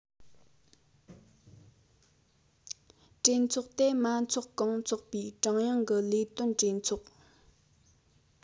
གྲོས ཚོགས དེ མ འཚོགས གོང འཚོགས པའི ཀྲུང དབྱང གི ལས དོན གྲོས ཚོགས